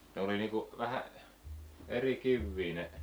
ne oli niin kuin vähän eri kiviä ne